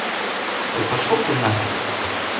ой пошел ты нахрен